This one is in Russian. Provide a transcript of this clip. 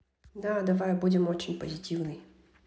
да давай будем очень позитивный